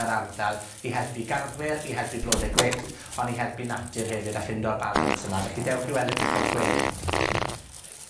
yr ardal, i helpu garddwyr, i helpu blode gwyllt, on' i helpu natur hefyd. A ffindo'r balans yna. Felly dewch i weld y cychod gwenyn.